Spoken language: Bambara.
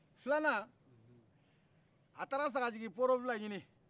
bilana a taara sagajigi booro bila ɲini